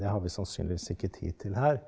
det har vi sannsynligvis ikke tid til her.